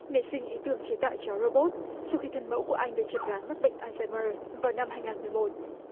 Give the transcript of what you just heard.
nảy sinh ý tưởng chế tạo chó rô bốt sau khi thân mẫu của anh được chẩn đoán mắc bệnh an re mơ vào năm hai ngàn mười một